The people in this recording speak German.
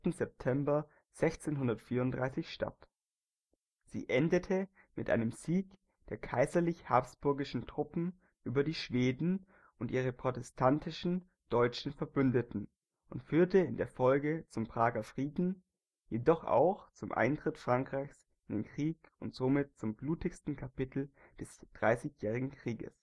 September 1634 statt. Sie endete mit einem Sieg der kaiserlich-habsburgischen Truppen über die Schweden und ihre protestantischen deutschen Verbündeten und führte in der Folge zum Prager Frieden, jedoch auch zum Eintritt Frankreichs in den Krieg und somit zum blutigsten Kapitel des Dreißigjährigen Krieges